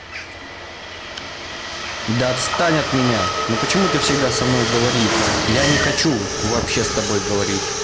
да отстань от меня но почему ты всегда со мной говорить я не хочу вообще с тобой говорить